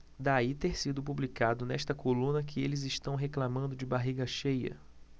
daí ter sido publicado nesta coluna que eles reclamando de barriga cheia